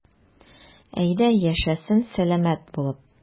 Әйдә, яшәсен сәламәт булып.